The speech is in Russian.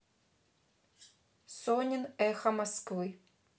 сонин эхо москвы